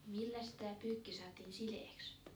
milläs tämä pyykki saatiin sileäksi